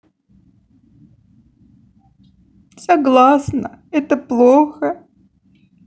согласно это плохо